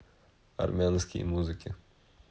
армянские музыки